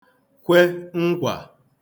kwe nkwà